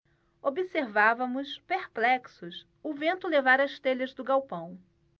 observávamos perplexos o vento levar as telhas do galpão